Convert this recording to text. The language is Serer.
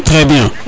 trés bien